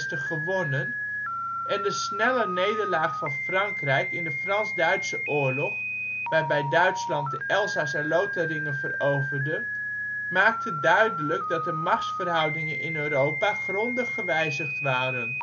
1866) gewonnen, en de snelle nederlaag van Frankrijk in de Frans-Duitse Oorlog, waarbij Duitsland de Elzas en Lotharingen veroverde, maakte duidelijk dat de machtsverhoudingen in Europa grondig gewijzigd waren